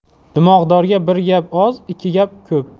dimog'dorga bir gap oz ikki gap ko'p